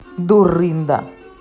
дурында